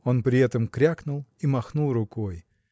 Он при этом крякнул и махнул рукой.